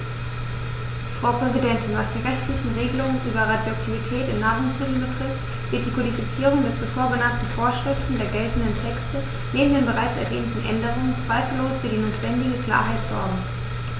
Frau Präsidentin, was die rechtlichen Regelungen über Radioaktivität in Nahrungsmitteln betrifft, wird die Kodifizierung der zuvor genannten Vorschriften der geltenden Texte neben den bereits erwähnten Änderungen zweifellos für die notwendige Klarheit sorgen.